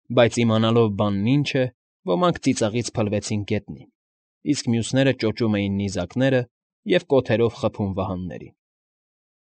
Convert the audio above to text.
Բայց իմանալով բանն ինչ է, ոմանք ծիծաղից փլվեցին գետնին, իսկ մյուսները ճոճում էին նիզակները և կոթերով խփում վահաններին։